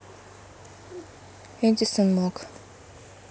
эдисон мог